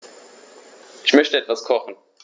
Ich möchte etwas kochen.